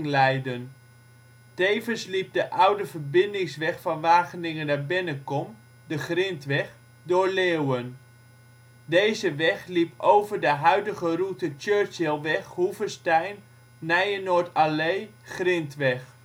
leiden. Tevens liep de oude verbindingsweg van Wageningen naar Bennekom, de Grintweg, door Leeuwen. Deze weg liep over de huidige route Churchillweg - Hoevestein - Nijenoord Allee - Grintweg